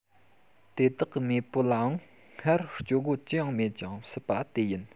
དེ དག གི མེས པོ ལའང སྔར སྤྱོད སྒོ ཅི ཡང མེད ཀྱང སྲིད པ དེ ཡིན